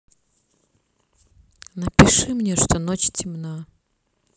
напиши мне что ночь темна